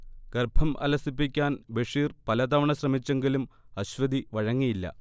ഗർഭം അലസിപ്പിക്കാൻ ബഷീർ പലതവണ ശ്രമിച്ചെങ്കിലും അശ്വതി വഴങ്ങിയില്ല